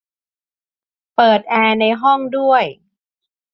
เปิดแอร์ในห้องด้วย